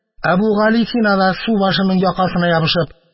Әбүгалисина да, субашының якасына ябышып